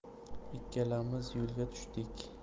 ikkalamiz yo'lga tushdik